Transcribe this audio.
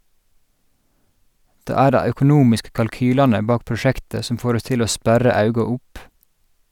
Det er dei økonomiske kalkylane bak prosjektet som får oss til å sperra auga opp.